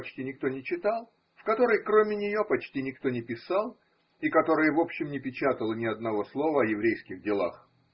почти никто не читал, в которой, кроме нее, почти никто не писал и которая в общем не печатала ни одного слова о еврейских делах.